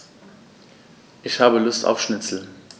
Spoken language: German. Ich habe Lust auf Schnitzel.